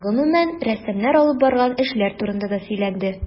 Гомүмән, рәссамнар алып барган эшләр турында да сөйләнде.